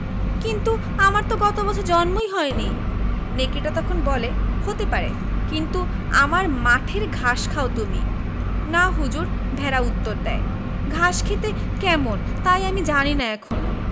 কিন্তু আমার তো গত বছর জন্মই হয়নি নেকড়েটা তখন বলে হতে পারে কিন্তু আমার মাঠের ঘাস খাও তুমি না হুজুর ভেড়া উত্তর দ্যায় ঘাস খেতে কেমন তাই আমি জানি না এখনো